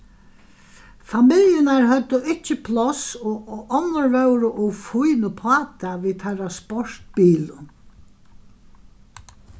familjurnar høvdu ikki pláss og onnur vóru ov fín upp á tað við teirra sportbilum